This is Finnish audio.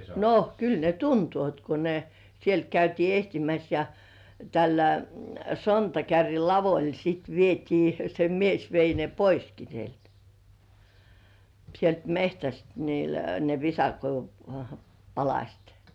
no kyllä ne tuntevat kun ne sieltä käytiin etsimässä ja tällä sontakärryn lavalla sitten vietiin se mies vei ne poiskin sieltä sieltä metsästä niillä ne visakoivun palaset